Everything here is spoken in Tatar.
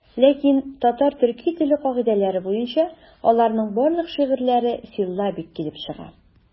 Ләкин татар-төрки теле кагыйдәләре буенча аларның барлык шигырьләре силлабик килеп чыга.